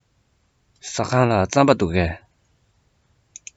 ཟ ཁང ལ རྩམ པ འདུག གས